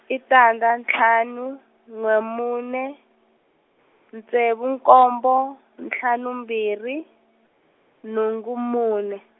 i tandza ntlhanu, n'we mune, ntsevu nkombo, ntlhanu mbirhi, nhungu mune.